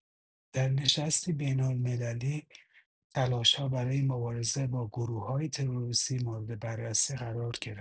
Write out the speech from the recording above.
در نشستی بین‌المللی، تلاش‌ها برای مبارزه با گروه‌های تروریستی مورد بررسی قرار گرفت.